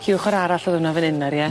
'lly ochor arall o'dd wnna fan 'yn nawr ie?